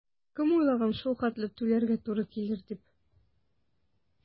Кем уйлаган шул хәтле түләргә туры килер дип?